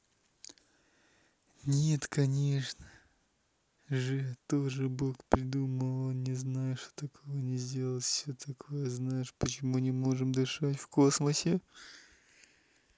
нет конечно же тоже бог придумал он не знает что такого не сделал все такое а знаешь почему мы не можем дышать в космосе